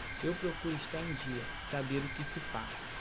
eu procuro estar em dia saber o que se passa